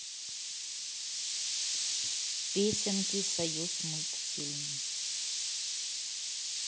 песенки союзмультфильм